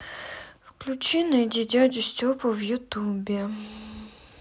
включи найди дядю степу в ютубе